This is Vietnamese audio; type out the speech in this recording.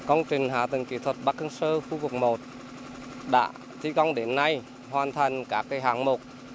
công trình hạ tầng kỹ thuật bắc kinh sơ khu vực một đã thi công đến nay hoàn thành các cái hạng mục